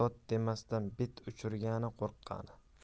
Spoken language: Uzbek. dod demasdan bet uchirgani qo'rqqani